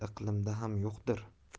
yetti iqlimda ham yo'qdir